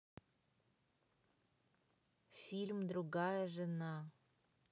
фильм другая жена